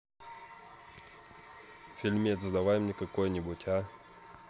фильмец давай мне какой нибудь а